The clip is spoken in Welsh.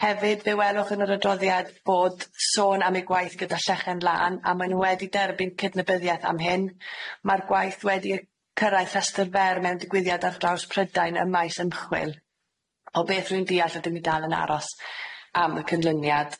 Hefyd fe welwch yn yr adroddiad bod sôn am eu gwaith gyda Llechen Lan a ma' nw wedi derbyn cydnabyddieth am hyn ma'r gwaith wedi yy cyrraedd rhestyr fer mewn digwyddiad ar draws Prydain ym maes ymchwil o beth rwy'n deall 'ydyn ni dal yn aros am y cynlyniad.